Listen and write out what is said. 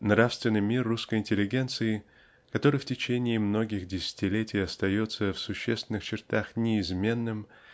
Нравственный мир русской интеллигенции -- который в течение многих десятилетий остается в существенных чертах неизменным